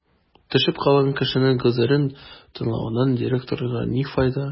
Төшеп калган кешенең гозерен тыңлаудан директорга ни файда?